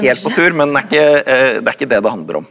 helt på tur men den er ikke det er ikke det det handler om.